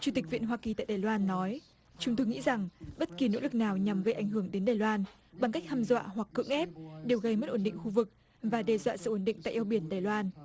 chủ tịch viện hoa kỳ tại đài loan nói chúng tôi nghĩ rằng bất kỳ nỗ lực nào nhằm gây ảnh hưởng đến đài loan bằng cách hăm dọa hoặc cưỡng ép điều gây mất ổn định khu vực và đe dọa sự ổn định tại eo biển đài loan